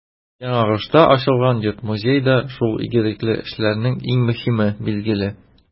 Яңагошта ачылган йорт-музей да шул игелекле эшләрнең иң мөһиме, билгеле.